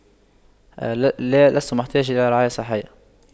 لا لا لست محتاج الى رعاية صحية